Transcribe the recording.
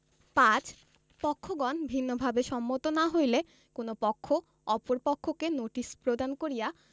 ৫ পক্ষগণ ভিন্নভাবে সম্মত না হইলে কোন পক্ষ অপর পক্ষকে নোটিশ প্রদান করিয়া